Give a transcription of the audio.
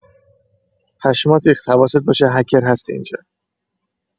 پشمات ریخت هواست باشه هکر هست اینجا